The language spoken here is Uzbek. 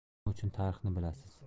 nima uchun tarixni bilasiz